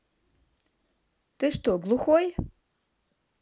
ты что глухой